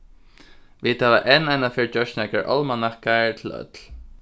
vit hava enn einaferð gjørt nakrar álmanakkar til øll